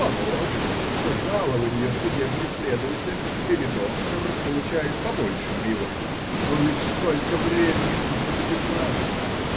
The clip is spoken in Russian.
Положим, что жалованья судебный следователь или доктор получает побольше моего, но ведь сколько времени нужно добиваться.